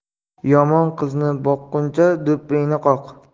yomon qizni boqquncha do'ppingni qoq